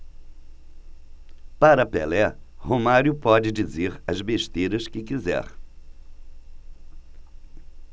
para pelé romário pode dizer as besteiras que quiser